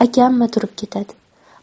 akammi turib ketadi